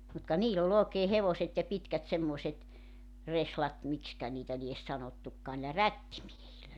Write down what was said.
mutta ka niillä oli oikein hevoset ja pitkät semmoiset reslat miksikä niitä lie sanottukaan niillä rättimiehillä